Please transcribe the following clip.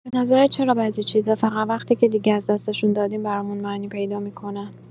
به نظرت چرا بعضی چیزا فقط وقتی که دیگه از دستشون دادیم برامون معنی پیدا می‌کنن؟